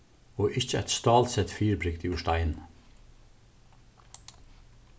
og ikki eitt stálsett fyribrigdi úr steini